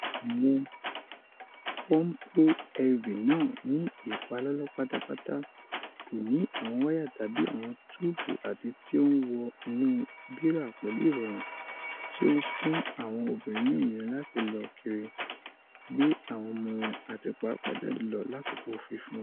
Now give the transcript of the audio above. Awọn Pọmpu Elvie naa, ni ipalọlọ patapata, ko ni awọn waya tabi awọn tubu ati ti o n wọ inu bira pẹlu irọrun, ti o n fun awọn obinrin ni ominira lati lọ kiiri, gbe awọn ọmọ wọn, ati paapaa jade lọ lakoko fifun.